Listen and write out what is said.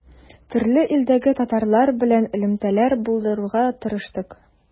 Төрле илдәге татарлар белән элемтәләр булдырырга тырыштык.